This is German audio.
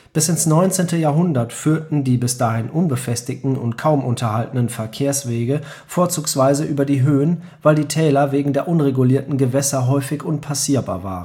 Bis ins 19. Jahrhundert führten die bis dahin unbefestigten und kaum unterhaltenen „ Verkehrswege “vorzugsweise über die Höhen, weil die Täler wegen der unregulierten Gewässer häufig unpassierbar